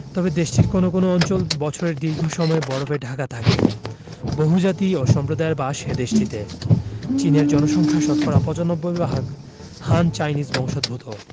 তবে দেশটির কোনো কোনো অঞ্চল বছরের দীর্ঘ সময় বরফে ঢাকা থাকে বহুজাতি ও সম্প্রদায়ের বাস এ দেশটিতে চীনের জনসংখ্যা শতকরা ৯৫ ভাগ হান চাইনিজ বংশোদূত